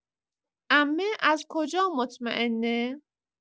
عمه از کجا مطمئنه؟